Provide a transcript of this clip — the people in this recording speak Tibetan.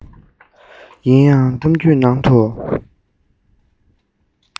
ཡིན ན ཡང གཏམ རྒྱུད ནང དུ